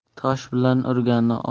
tosh bilan urganni